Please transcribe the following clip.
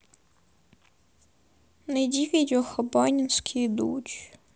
найди видео хабенский и дудь